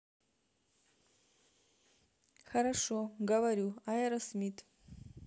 хорошо говорю аэросмит